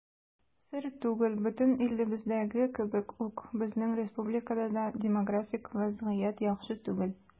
Сер түгел, бөтен илебездәге кебек үк безнең республикада да демографик вазгыять яхшы түгел.